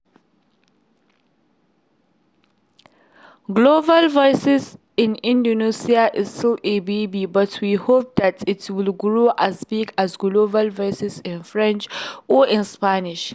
Global Voices in Indonesian is still a baby but we hope that it will grow as big as Global Voices in French or in Spanish.